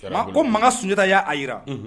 Ko makan sunjatada y'a jirara